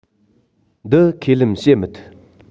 འདི ཁས ལེན བྱེད མི ཐུབ